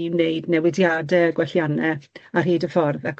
i wneud newidiade a gwellianne ar hyd y ffordd